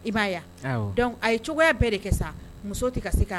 A ye bɛɛ de muso tɛ